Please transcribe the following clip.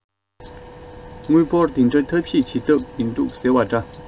དངུལ འབོར འདི འདྲ ཐབས ཤེས བྱེད ཐབས མིན འདུག ཟེར བ འདྲ